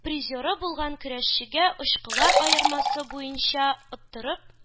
Призеры булган көрәшчегә очколар аермасы буенча оттырып,